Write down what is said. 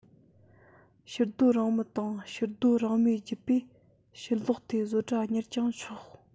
ཕྱིར སྡོད རང མི དང ཕྱིར སྡོད རང མིའི རྒྱུད པས ཕྱིར ལོག སྟེ བཟོ གྲྭ གཉེར ཀྱང ཆོག